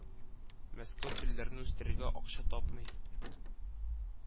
Мәскәү телләрне үстерергә акча тапмый